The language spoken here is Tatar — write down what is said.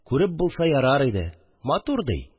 Күреп булса ярар иде. матур, ди